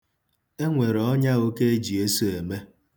E nwere ọnya oke e ji eso eme.